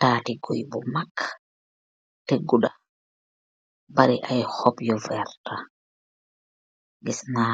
Tatee gooye bu maag teh guda bary aye hopp yu werta, giss na